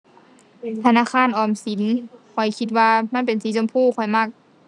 ธนาคารออมสิน ข้อยคิดว่ามันเป็นสีชมพูข้อยมัก